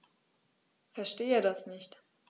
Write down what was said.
Verstehe das nicht.